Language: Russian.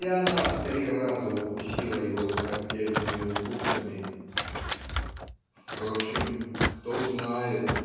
и она три раза укусила его смертельными укусами "Впрочем кто знает